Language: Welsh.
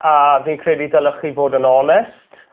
a fi'n credu dylech chi fod yn onest